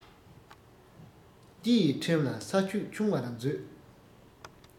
སྤྱི ཡི ཁྲིམས ལ ས ཆོད ཆུང བར མཛོད